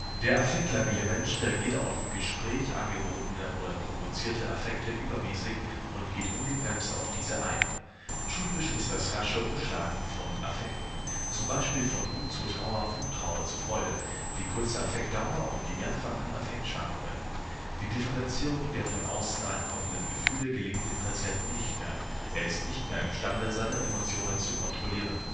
Der affektlabile Mensch reagiert auf im Gespräch angebotene oder provozierte Affekte übermäßig und geht ungebremst auf diese ein. Typisch ist das rasche Umschlagen von Affekten (z.B. von Wut zu Trauer, von Trauer zu Freude), die kurze Affektdauer und die mehrfachen Affektschwankungen. Die Differenzierung der von außen ankommenden Gefühle gelingt dem Patienten nicht mehr, er ist nicht mehr imstande, seine Emotionen zu kontrollieren